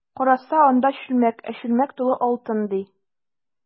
Караса, анда— чүлмәк, ә чүлмәк тулы алтын, ди.